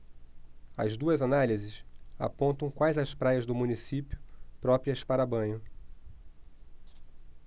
as duas análises apontam quais as praias do município próprias para banho